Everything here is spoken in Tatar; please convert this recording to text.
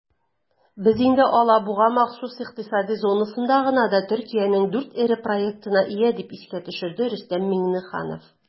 "без инде алабуга махсус икътисади зонасында гына да төркиянең 4 эре проектына ия", - дип искә төшерде рөстәм миңнеханов.